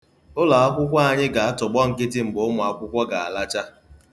Ụlọakwụkwọ anyị ga-atọgbọ nkịtị mgbe ụmụakwụkwọ ga-alacha.